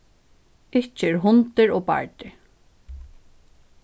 ikki er hundur ov bardur